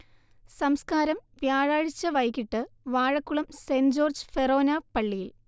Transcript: സംസ്കാരം വ്യാഴാഴ്ച വൈകീട്ട് വാഴക്കുളം സെന്റ് ജോർജ് ഫെറോന പള്ളിയിൽ